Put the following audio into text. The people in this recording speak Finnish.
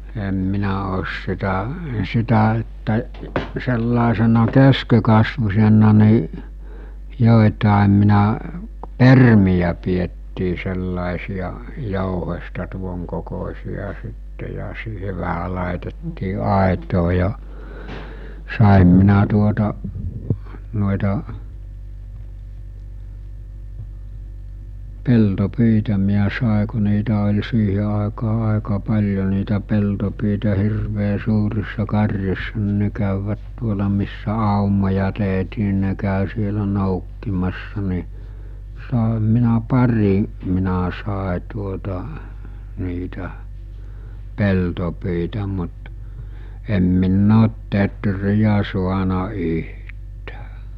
en minä ole sitä sitä että sellaisena keskenkasvuisena niin joitakin minä permiä pidettiin sellaisia jouhesta tuonkokoisia sitten ja siihen vähän laitettiin aitaa ja sain minä tuota noita peltopyitä minä sain kun niitä oli siihen aikaan aika paljon niitä peltopyitä hirveän suurissa karjoissa niin ne kävivät tuolla missä aumoja tehtiin niin ne kävi siellä noukkimassa niin sainhan minä pari minä sain tuota niitä peltopyitä mutta en minä ole teeriä saanut yhtään